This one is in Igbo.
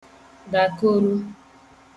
dàkoru